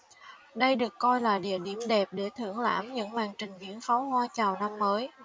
đây được coi là địa điểm đẹp để thưởng lãm những màn trình diễn pháo hoa chào năm mới